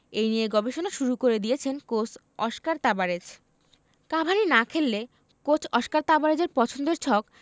এই নিয়ে গবেষণা শুরু করে দিয়েছেন কোচ অস্কার তাবারেজ কাভানি না খেললে কোচ অস্কার তাবারেজের পছন্দের ছক